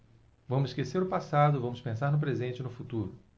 vamos esquecer o passado vamos pensar no presente e no futuro